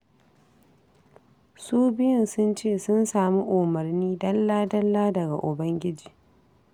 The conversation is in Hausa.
Su biyun sun ce sun sami umarni dalla-dalla daga ubangiji.